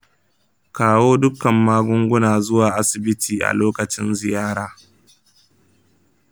kawo dukkan magunguna zuwa asibiti a lokacin ziyara.